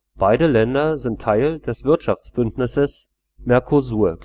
beide Länder sind Teil des Wirtschaftsbündnisses Mercosur